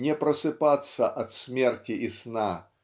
не просыпаться от смерти и сна